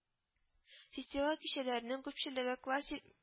Фестиваль кичәләренең күпчелеге классик